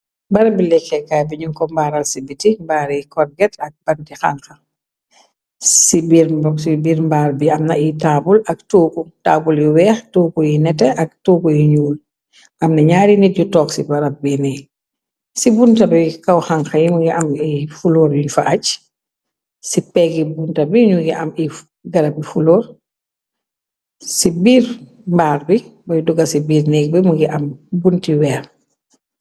Barabbi lekkeekaay bi ñu ko mbaaral ci biti mbaar yi korget ak banti xanxa ci biir mbog ci biir mbaar bi amna i taabul ak tuugu taabul yu weex tuuku yi nete ak tuuku yu ñuul amna ñaari nit yu tog ci barab bi neeg ci buntabi kaw xanka yimu ngi am fuloor yi fa ac ci peggi bunta bi ñu ngi am garabi fuloor ci biir mbaar bi boy duga ci biir nék bi mu ngi am buntyi weex.